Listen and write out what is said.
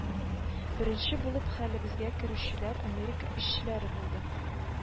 Беренче булып хәлебезгә керүчеләр америка эшчеләре булды